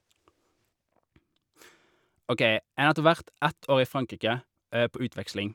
OK, jeg har nettopp vært ett år i Frankrike på utveksling.